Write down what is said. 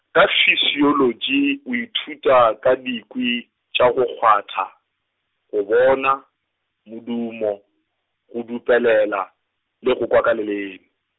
ka fisiologi o ithuta ka dikwi tša go kgwatha, go bona, modumo, go dupelela, le go kwa ka lelem-.